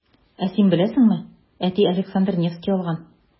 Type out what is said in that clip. Ә син беләсеңме, әти Александр Невский алган.